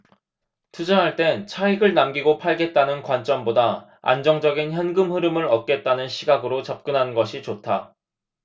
투자할 땐 차익을 남기고 팔겠다는 관점보다 안정적인 현금흐름을 얻겠다는 시각으로 접근하는 것이 좋다